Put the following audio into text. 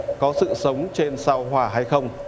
có sự sống trên sao hỏa hay không